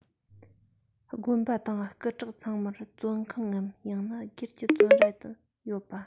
དགོན པ དང སྐུ དྲག ཚང མར བཙོན ཁང ངམ ཡང ན སྒེར གྱི བཙོན ར ཡོད པ དང